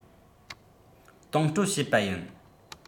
གཏོང སྤྲོད བྱེད པ ཡིན